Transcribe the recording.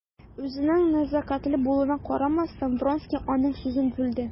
Үзенең нәзакәтле булуына карамастан, Вронский аның сүзен бүлде.